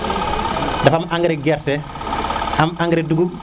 dafa am engrais am engrais dugub